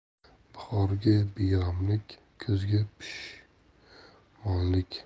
bahorgi beg'amlik kuzgi pushmonlik